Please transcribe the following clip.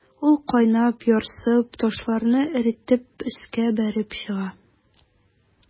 Ул кайнап, ярсып, ташларны эретеп өскә бәреп чыга.